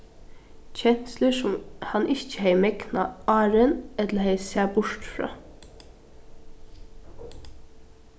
kenslur sum hann ikki hevði megnað áðrenn ella hevði sæð burtur frá